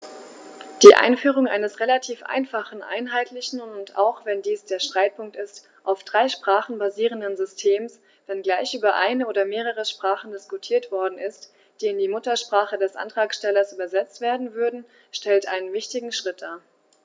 Die Einführung eines relativ einfachen, einheitlichen und - auch wenn dies der Streitpunkt ist - auf drei Sprachen basierenden Systems, wenngleich über eine oder mehrere Sprachen diskutiert worden ist, die in die Muttersprache des Antragstellers übersetzt werden würden, stellt einen wichtigen Schritt dar.